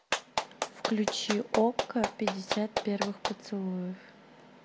включи окко пятьдесят первых поцелуев